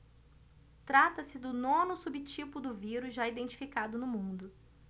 trata-se do nono subtipo do vírus já identificado no mundo